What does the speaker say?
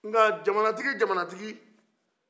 nka jamantigi jamanatigi